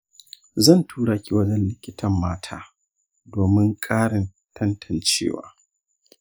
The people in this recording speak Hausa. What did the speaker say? zan tura ki wajen likitan mata domin ƙarin tantancewa.